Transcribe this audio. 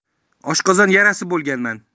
oshqozon yarasi bo'lganman